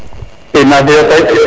i na fio koy